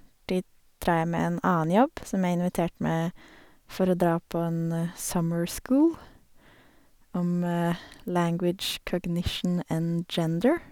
Dit drar jeg med en annen jobb som jeg er invitert med for å dra på en summer school om language, cognition and gender.